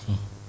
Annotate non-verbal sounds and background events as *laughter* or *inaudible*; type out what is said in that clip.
*hesitation* *hesitation*